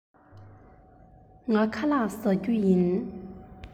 ངས ཁ ལག བཟས མེད